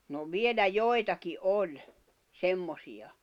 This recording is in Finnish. no vielä joitakin oli semmoisia